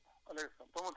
sax bi sax yi